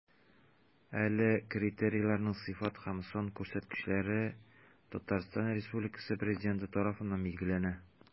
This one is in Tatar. Әлеге критерийларның сыйфат һәм сан күрсәткечләре Татарстан Республикасы Президенты тарафыннан билгеләнә.